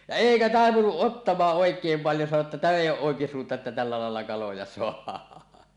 ja eikä taipunut ottamaan oikein paljon sanoi jotta tämä ei ole oikisuunta että tällä lailla kaloja saadaan